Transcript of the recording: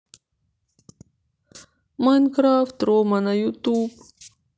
майнкрафт рома на ютуб